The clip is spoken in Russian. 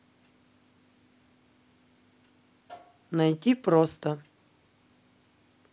найти просто